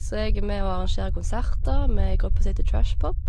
Så jeg er med og arrangerer konserter, med ei gruppe som heter TrashPop.